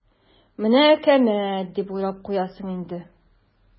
"менә әкәмәт" дип уйлап куясың инде.